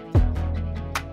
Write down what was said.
Sanunɛ